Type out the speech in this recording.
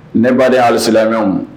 Ne ba hali silamɛw mun